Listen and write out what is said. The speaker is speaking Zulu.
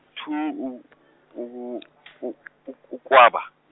two u- ugu- u- u- uKwaba.